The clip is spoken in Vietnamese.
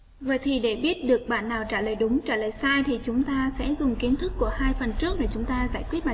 vậy thì để biết được bạn nào trả lời đúng trả lời sai thì chúng ta sẽ dùng kiến thức của hai phần trước để chúng ta giải quyết